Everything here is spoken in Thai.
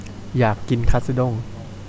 อยากกินคัทสึด้ง